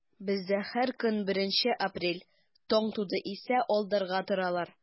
Бездә һәр көн беренче апрель, таң туды исә алдарга торалар.